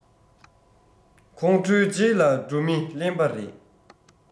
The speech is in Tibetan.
ཁོང ཁྲོའི རྗེས ལ འགྲོ མི གླེན པ རེད